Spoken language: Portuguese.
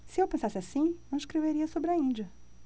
se eu pensasse assim não escreveria sobre a índia